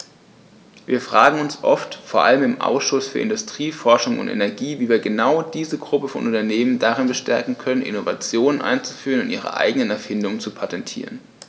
Wir fragen uns oft, vor allem im Ausschuss für Industrie, Forschung und Energie, wie wir genau diese Gruppe von Unternehmen darin bestärken können, Innovationen einzuführen und ihre eigenen Erfindungen zu patentieren.